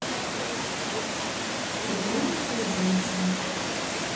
обманутая женщина